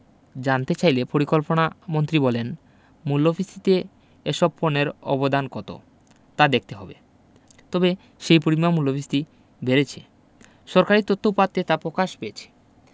জানতে চাইলে পরিকল্পনামন্ত্রী বলেন মূল্যস্ফীতিতে এসব পণ্যের অবদান কত তা দেখতে হবে তবে সেই পরিমাণ মূল্যস্ফীতি বেড়েছে সরকারি তথ্যউপাত্তে তা প্রকাশ পেয়েছে